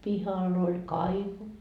pihalla oli kaivo